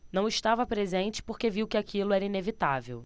não estava presente porque viu que aquilo era inevitável